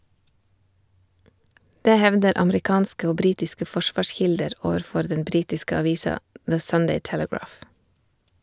Det hevder amerikanske og britiske forsvarskilder overfor den britiske avisa The Sunday Telegraph.